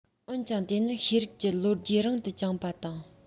འོན ཀྱང དེ ནི ཤེས རིག ཀྱི ལོ རྒྱུས རིང དུ བརྐྱངས པ དང